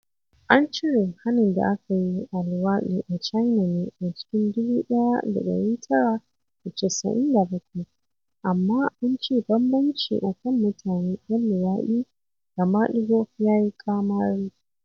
An cire hanin da aka yi a luwaɗi a China ne a cikin 1997, amma an ce bambanci a kan mutane 'yan luwaɗi da maɗigo ya yi ƙamari.